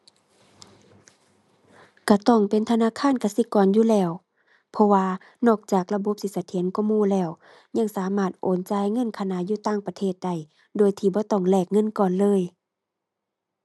ก็ต้องเป็นธนาคารกสิกรอยู่แล้ว เพราะว่านอกจากระบบสิเสถียรกว่าหมู่แล้ว ยังสามารถโอนจ่ายเงินขณะอยู่ต่างประเทศได้ โดยที่บ่ต้องแลกเงินก่อนเลย